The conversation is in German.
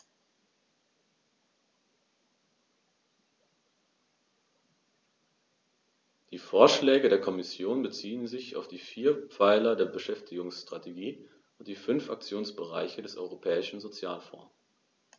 Die Vorschläge der Kommission beziehen sich auf die vier Pfeiler der Beschäftigungsstrategie und die fünf Aktionsbereiche des Europäischen Sozialfonds.